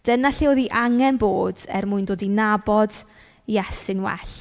Dyna lle oedd hi angen bod er mwyn dod i nabod Iesu'n well.